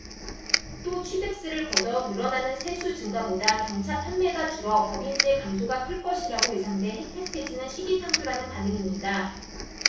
또 취득세를 거둬 늘어나는 세수 증가보다 경차 판매가 줄어 법인세 감소가 클 것이라고 예상돼 혜택 폐지는 시기상조라는 반응입니다